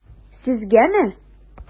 Сезгәме?